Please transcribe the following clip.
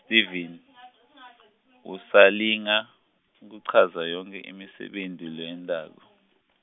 Stevens usalinga kuchaza yonkhe imisebenti layentako.